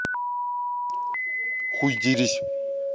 хуй дерись